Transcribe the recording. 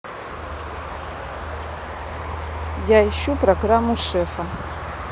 я ищу программу шефа